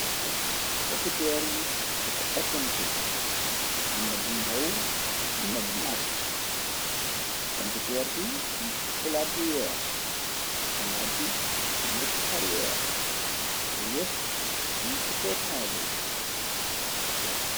Pomputeer yi defa ëppante, amna bu ndaw amna bu mag. Pomputeer bi min ci palaat bi weex, palaat bi yoppa weex, te yépp mung ci kow taabul.